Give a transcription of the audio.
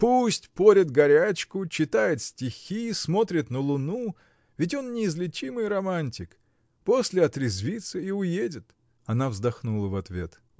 Пусть порет горячку, читает стихи, смотрит на луну. Ведь он неизлечимый романтик. После отрезвится и уедет. Она вздохнула в ответ.